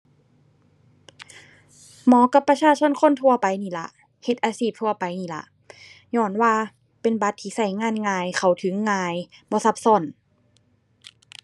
เหมาะกับประชาชนคนทั่วไปนี่ล่ะ เฮ็ดอาชีพทั่วไปนี่ล่ะ ญ้อนว่าเป็นบัตรที่ใช้งานง่าย เข้าถึงง่าย บ่ซับซ้อน